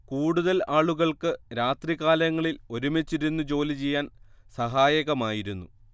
കൂടുതൽ ആളുകൾക്ക് രാത്രികാലങ്ങളിൽ ഒരുമിച്ചിരുന്നു ജോലിചെയ്യാൻ സഹായകമായിരുന്നു